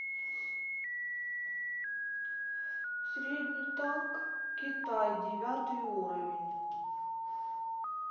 средний танк китай девятый уровень